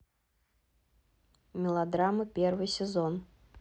мылодрама первый сезон